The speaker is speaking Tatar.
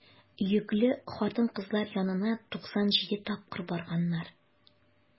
Йөкле хатын-кызлар янына 97 тапкыр барганнар.